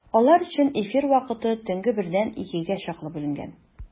Алар өчен эфир вакыты төнге бердән икегә чаклы бүленгән.